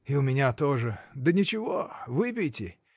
— И у меня тоже, да ничего: выпейте.